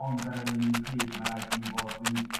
ond ar yr un un pryd ma' raid iddyn n'w fod yn